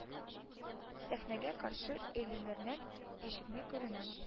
Сәхнәгә каршы өйләненең ишеге күренә